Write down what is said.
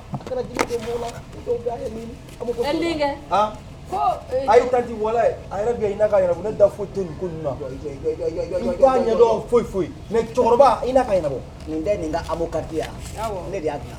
Di a ɲɛna ne da foyi ko foyi foyi mɛ cɛkɔrɔba iina ka ɲɛna di yan ne de